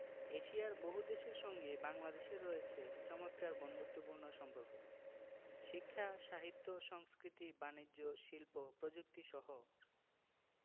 এশিয়ার বহুদেশের সঙ্গেই বাংলাদেশের রয়েছে চমৎকার বন্ধুত্বপূর্ণ সম্পর্ক শিক্ষা সাহিত্য সংস্কৃতি বানিজ্য শিল্প প্রযুক্তিসহ